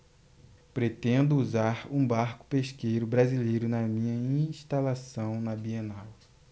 pretendo usar um barco pesqueiro brasileiro na minha instalação na bienal